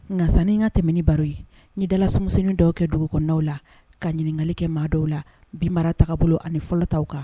Nka sani n ka tɛmɛ ni baro ye n ye dalasumusuli dɔw kɛ dugu kɔnɔnaw la ka ɲininkali kɛ maa dɔw la bi mara taabolo, ani fɔlɔ taw kan.